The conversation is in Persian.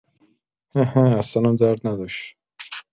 هه‌هه اصلنم درد نداشت!